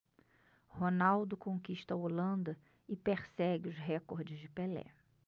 ronaldo conquista a holanda e persegue os recordes de pelé